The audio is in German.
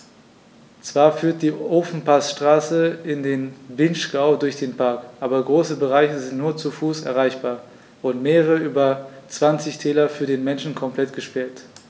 Zwar führt die Ofenpassstraße in den Vinschgau durch den Park, aber große Bereiche sind nur zu Fuß erreichbar und mehrere der über 20 Täler für den Menschen komplett gesperrt.